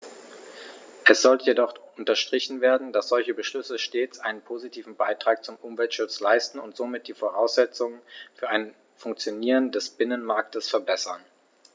Es sollte jedoch unterstrichen werden, dass solche Beschlüsse stets einen positiven Beitrag zum Umweltschutz leisten und somit die Voraussetzungen für ein Funktionieren des Binnenmarktes verbessern.